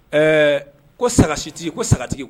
Ɛɛ ko sagalasitigi ko sagatigi